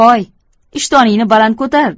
hoy ishtoningni baland ko'tar